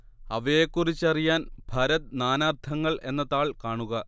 അവയെക്കുറിച്ചറിയാൻ ഭരത് നാനാർത്ഥങ്ങൾ എന്ന താൾ കാണുക